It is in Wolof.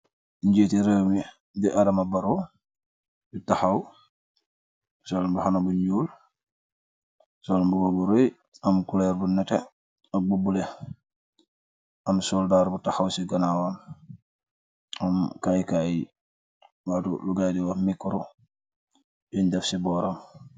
Njjiti rewmi di adama barrow takhaw sol mbahanah bu njull, sol mbuba bu reyyy am couleur bu nehteh ak bu bleu, am soldarre bu takhaw ci ganawam, am kai kai mbadu lu gai di wakh mikcro yungh deff ci bohram.